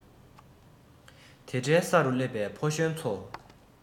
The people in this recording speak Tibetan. དེ འདྲའི ས རུ སླེབས པའི ཕོ གཞོན ཚོ